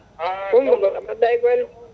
Coumba Ba no no mbadduɗa e golle